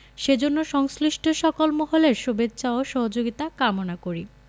সেজন্য সংশ্লিষ্ট সকল মহলের শুভেচ্ছা ও সহযোগিতা কামনা করি